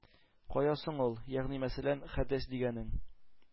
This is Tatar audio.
Кая соң ул, ягъни мәсәлән, хәдәс дигәнең?